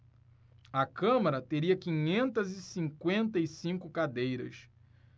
a câmara teria quinhentas e cinquenta e cinco cadeiras